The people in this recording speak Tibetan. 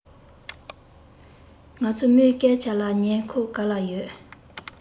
ང ཚོ མོའི སྐད ཆ ལ ཉན ཁོམ ག ལ ཡོད